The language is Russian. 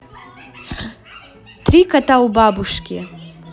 три кота у бабушки